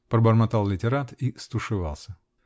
-- пробормотал литтерат и стушевался.